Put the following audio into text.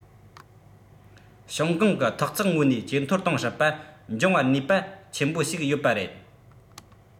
ཞང ཀང གི ཐོག བརྩེགས ངོས ནས ཇེ མཐོར གཏོང སྲིད པ འབྱུང བར ནུས པ ཆེན པོ ཞིག ཡོད པ རེད